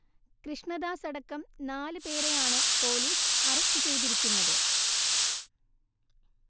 കൃഷ്ണദാസടക്കം നാല് പേരെയാണ് police arrest ചെയ്തിരിക്കുന്നത്